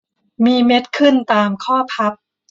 มีเม็ดขึ้นตามข้อพับ